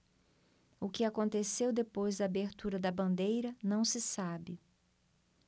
o que aconteceu depois da abertura da bandeira não se sabe